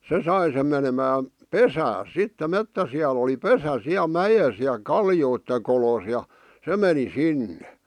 se sai sen menemään pesäänsä sitten metsäsialla oli pesä siellä mäessä ja kallioiden kolossa ja se meni sinne